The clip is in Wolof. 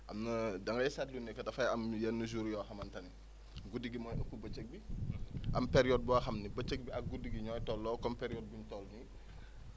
am na da ngay sentir ne que dafay am yenn jours yoo xamante ne gudii gi mooy ëpp bëccëg bi am période boo xam ne bëccëg bi ak guddi gi ñoo tolloo comme période bi ñu toll nii